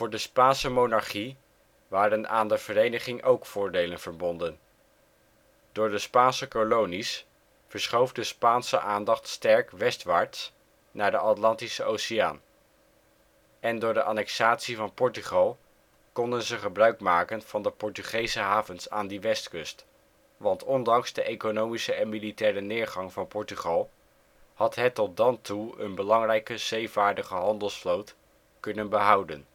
de Spaanse monarchie waren aan de vereniging ook voordelen verbonden. Door de Spaanse kolonies verschoof de Spaanse aandacht sterk westwaarts naar de Atlantische Oceaan. En door de annexatie van Portugal konden ze gebruikmaken van de Portugese havens aan die westkust. Want ondanks de economische en militaire neergang van Portugal had het tot dan toe een belangrijke zeevaardige handelsvloot kunnen behouden